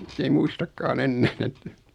se ei muistakaan enää että